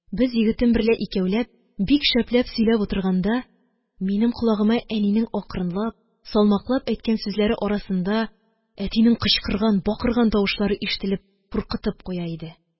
Без егетем берлә икәүләп бик шәпләп сөйләп утырганда, минем колагыма әнинең акрынлап, салмаклап әйткән сүзләре арасында әтинең кычкырган, бакырган тавышлары ишетелеп куркытып куя иде